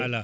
ala